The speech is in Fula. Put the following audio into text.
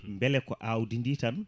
beele ko awdi ndi tan